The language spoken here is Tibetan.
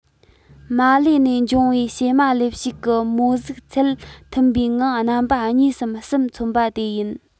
མ ལེ ནས འབྱུང བའི ཕྱེ མ ལེབ ཞིག གི མོ གཟུགས ཚད མཐུན པའི ངང རྣམ པ གཉིས སམ གསུམ མཚོན པ དེ ཡིན